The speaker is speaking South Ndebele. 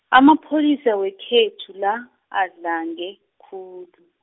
amapholisa wekhethu la, adlange, khulu.